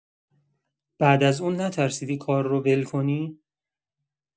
بعد از اون نترسیدی کار رو ول کنی؟